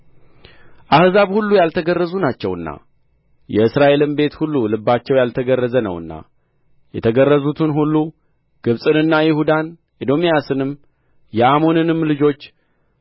አሕዛብ ሁሉ ያልተገረዙ ናቸውና የእስራኤልም ቤት ሁሉ ልባቸው ያልተገረዘ ነውና የተገረዙትን ሁሉ ግብጽንና ይሁዳን ኤዶምያስንም የአሞንንም ልጆች